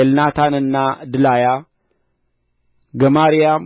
ኤልናታንና ድላያ ገማርያም